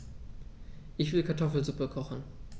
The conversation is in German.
Ich will Kartoffelsuppe kochen.